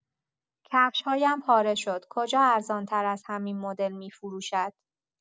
کفش‌هایم پاره شد، کجا ارزان‌تر از همین مدل می‌فروشد؟